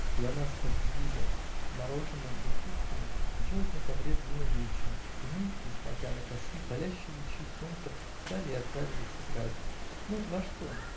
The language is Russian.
Когда нас оделили мороженым и фруктами, делать на ковре было нечего, и мы, несмотря на косые палящие лучи солнца, встали и отправились играть. -- Ну, во что?